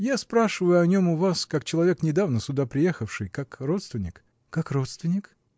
Я спрашиваю о нем у вас как человек, недавно сюда приехавший, как родственник. -- Как родственник?